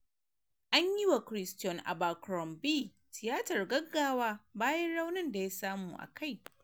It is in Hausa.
Anyi wa Christion Abercrombie Tiyatar Gaggawa Bayan Raunin da ya Samu a Kai